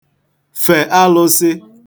fè alụ̄sị̄